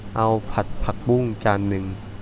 เอาผัดผักบุ้งจานหนึ่ง